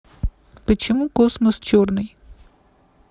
почему космос черный